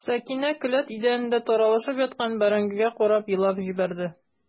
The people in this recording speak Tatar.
Сәкинә келәт идәнендә таралышып яткан бәрәңгегә карап елап җибәрде.